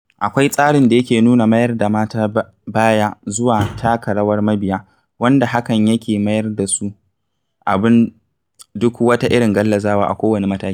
Akwai tsarin da yake nuna mayar da mata baya zuwa taka rawar mabiya wanda hakan yake mayar da su abun duk wata irin gallazawa a kowane mataki.